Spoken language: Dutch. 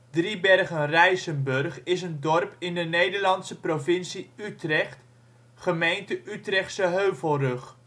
Driebergen-Rijsenburg is een dorp in de Nederlandse provincie Utrecht, gemeente Utrechtse Heuvelrug